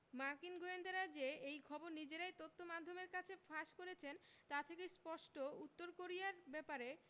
মার্কিন গোয়েন্দারা যে এই খবর নিজেরাই তথ্যমাধ্যমের কাছে ফাঁস করেছেন তা থেকে স্পষ্ট উত্তর কোরিয়ার ব্যাপারে